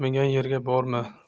aytmagan yerga borma